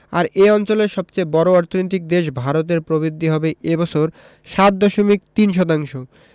আর এ অঞ্চলের সবচেয়ে বড় অর্থনৈতিক দেশ ভারতের প্রবৃদ্ধি হবে এ বছর ৭.৩ শতাংশ